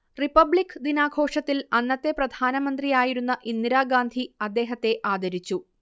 republic ദിനാഘോഷത്തിൽ അന്നത്തെ പ്രധാനമന്ത്രിയായിരുന്ന ഇന്ദിരാഗാന്ധി അദ്ദേഹത്തെ ആദരിച്ചു